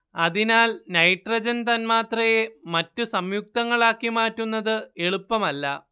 അതിനാൽ നൈട്രജൻ തന്മാത്രയെ മറ്റു സംയുക്തങ്ങളാക്കി മാറ്റുന്നത് എളുപ്പമല്ല